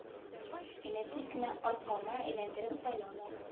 Мине тиз генә аркама әйләндереп салалар